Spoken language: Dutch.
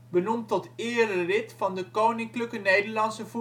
benoemd tot erelid van de Koninklijke Nederlandse